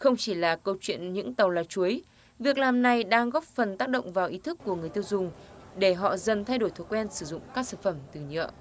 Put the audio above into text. không chỉ là câu chuyện những tàu lá chuối việc làm này đang góp phần tác động vào ý thức của người tiêu dùng để họ dần thay đổi thói quen sử dụng các sản phẩm từ nhựa